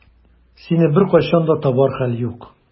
Сине беркайчан да табар хәл юк.